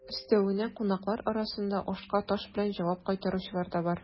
Өстәвенә, кунаклар арасында ашка таш белән җавап кайтаручылар да бар.